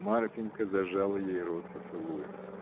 Марфинька зажала ей рот поцелуем.